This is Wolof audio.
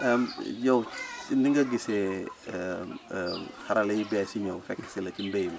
yow ni nga gisee xarale yu bees yi ñëw fekk si la si mbay mi